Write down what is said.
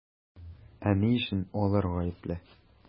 Ә ни өчен алар гаепле?